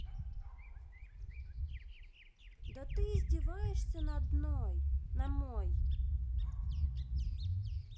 да ты издеваешься над ной на мой